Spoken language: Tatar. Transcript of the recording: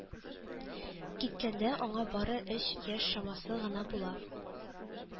Киткәндә аңа бары өч яшь чамасы гына була